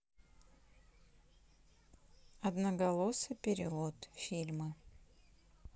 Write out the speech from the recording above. одноголосый перевод фильмы